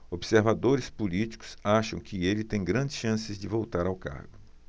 observadores políticos acham que ele tem grandes chances de voltar ao cargo